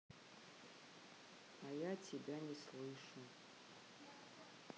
а я тебя не слышу